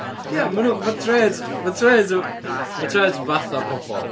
Ia, maen nhw... ma' trêns... mae trêns yn... ma' trêns fatha pobol.